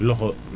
loxo